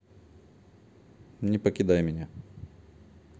не покидай меня